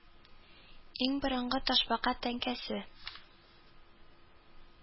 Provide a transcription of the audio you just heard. Иң борыңгы ташбака тәңкәсе